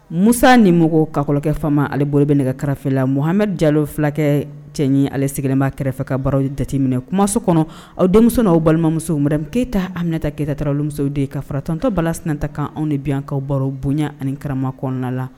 Musa ni mɔgɔw kakɔlɔkɛ fama ale bolo bɛ nɛgɛ kɛrɛfɛfe la muhamadu jalo fulakɛ cɛ ni ale sigilenba kɛrɛfɛ ka baara jateminɛ kumaso kɔnɔ o denmisɛnnin' balimamuso keyita aminata keyitatara de ka faratɔntɔbalasta kan anw ni bikaw baro bonya ani karama kɔnɔna la